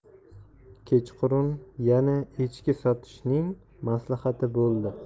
kechqurun yana echki sotishning maslahati bo'ldi